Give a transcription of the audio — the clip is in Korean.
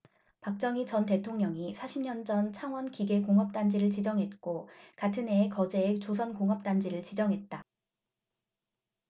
박정희 전 대통령이 사십 년전 창원기계공업단지를 지정했고 같은해에 거제에 조선공업단지를 지정했다